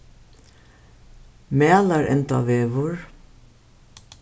malarendavegur